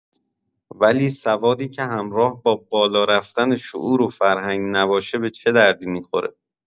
ولی سوادی که همراه با بالا رفتن شعور وفرهنگ نباشه به چه دردی می‌خوره؟